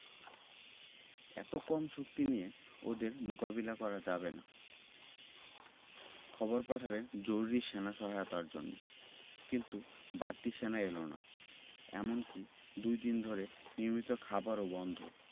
এত কম শক্তি নিয়ে ওদের মোকাবিলা করা যাবে না খবর পাঠালেন জরুরি সেনা সহায়তার জন্য কিন্তু বাড়তি সেনা এলো না এমনকি দুই দিন ধরে নিয়মিত খাবারও বন্ধ